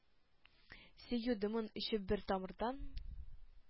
Сөю дымын эчеп бер тамырдан,